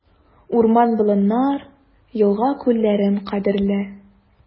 Урман-болыннар, елга-күлләрем кадерле.